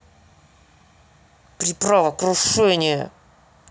приправа крушение